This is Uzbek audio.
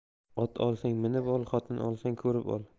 ot olsang minib ol xotin olsang ko'rib ol